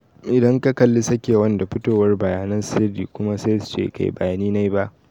“Idan ka kalli sakewan da fitowan bayanan sirri kuma sai suce “kai, ba ni nayi ba.